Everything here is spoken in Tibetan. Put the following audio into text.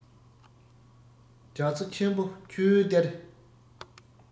རྒྱ མཚོ ཆེན པོ ཆུ བོའི གཏེར